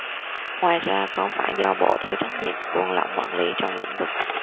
ngoài ra có phải do bộ thiếu trách nhiệm buông lỏng quản lý trong lĩnh vực